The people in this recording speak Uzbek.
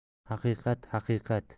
haqiqat haqiqat